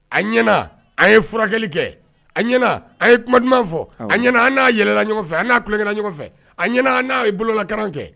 A ɲɛna a ye furakɛli kɛ a ɲɛna a ye kuma duman fɔ a n'a yɛlɛla ɲɔgɔnfɛ a n'a kukɛla ɲɔgɔn fɛ a ɲɛna n'a ye bololakaran kɛ